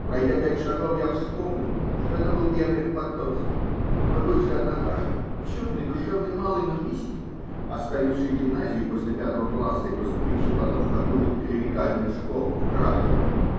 Пройдя пять шагов, я вспомнил, что это был Генрих Потоцкий, мой бывший однокашник, чудный, душевный малый, но мистик, оставивший гимназию после пятого класса и поступивший потом в какую-то клерикальную школу в Кракове.